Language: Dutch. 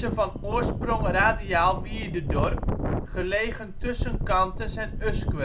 van oorsprong radiaal wierdedorp, gelegen tussen Kantens en Usquert. Het